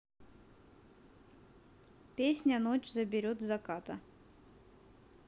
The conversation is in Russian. песня ночь заберет заката